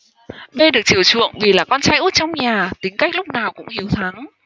b được chiều chuộng vì là con trai út trong nhà tính cách lúc nào cũng hiếu thắng